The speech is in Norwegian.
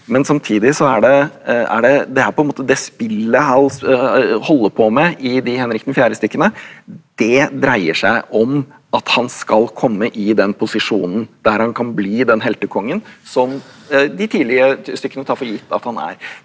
men samtidig så er det er det det er på en måte det spillet Hal holder på med i de Henrik den fjerde-stykkene, det dreier seg om at han skal komme i den posisjonen der han kan bli den heltekongen som de tidlige stykkene tar for gitt at han er.